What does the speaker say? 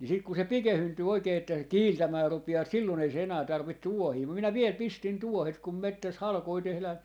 niin sitten kun se pikeentyy oikein että se kiiltämään rupeaa silloin ei se enää tarvitse tuohia mutta minä vielä pistin tuohet kun metsässä halkoja tehdään